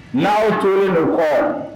N'aw tolen don kɔ